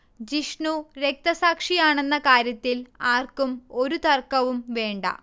ജിഷ്ണു രക്തസാക്ഷിയാണെന്ന കാര്യത്തിൽ ആർക്കും ഒരു തർക്കവും വേണ്ട